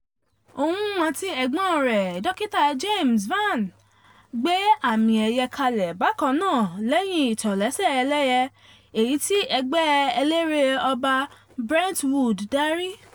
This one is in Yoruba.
Òun àti ẹ̀gbọ́n rẹ̀ Dr James Vann gbé àmì ẹ̀yẹ kalẹ̀ bakan náà lẹ́yìn ìtòlẹ́ṣẹ ẹlẹ́yẹ, èyí tí ẹgbẹ́ eléré ọba Brentwood darí.